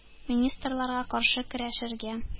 Министрларга каршы көрәшергә,